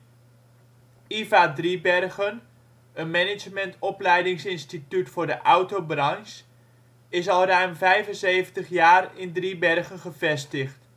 IVA Driebergen, een (management) opleidingsinstituut voor de autobranche, is al ruim 75 jaar in Driebergen gevestigd. Stichting